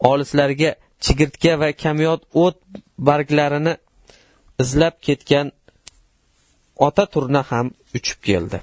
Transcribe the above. olislarga chigirtka va kamyob o't barglarini izlab ketgan ota turna ham uchib keldi